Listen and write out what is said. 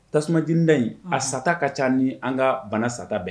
Tasumaumancda in a sata ka ca ni an ka bana sata bɛɛ